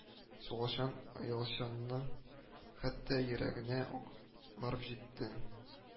Суалчан-оялчанның хәтта йөрәгенә үк барып җитте